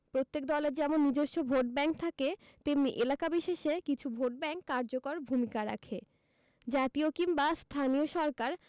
প্রত্যেক দলের যেমন নিজস্ব ভোটব্যাংক থাকে তেমনি এলাকা বিশেষে কিছু ভোটব্যাংক কার্যকর ভূমিকা রাখে জাতীয় কিংবা স্থানীয় সরকার